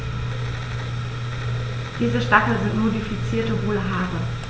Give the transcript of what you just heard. Diese Stacheln sind modifizierte, hohle Haare.